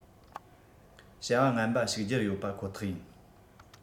བྱ བ ངན པ ཞིག སྦྱར ཡོད པ ཁོ ཐག ཡིན